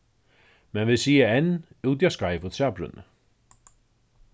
men vit siga enn úti á skeivu træbrúnni